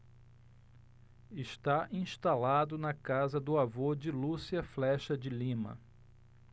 está instalado na casa do avô de lúcia flexa de lima